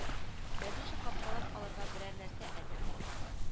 Надюша капкалап алырга берәр нәрсә әзерлә